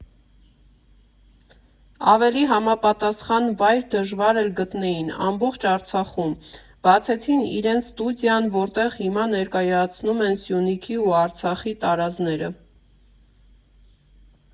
Ավելի համապատասխան վայր դժվար էլ գտնեին ամբողջ Արցախում, բացեցին իրենց ստուդիան, որտեղ հիմա ներկայացնում են Սյունիքի ու Արցախի տարազները։